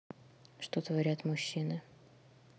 что творят мужчины